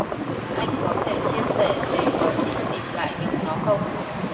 anh có thể chia sẻ về quá trình tìm lại được nó không